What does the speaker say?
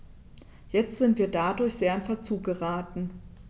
Jetzt sind wir dadurch sehr in Verzug geraten.